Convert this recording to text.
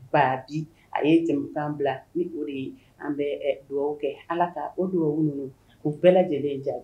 Ba bi a ye cɛkan bila ni o de ye an bɛ dugawuwa kɛ ala ka o dugawuwa ninnu u bɛɛ lajɛlen ja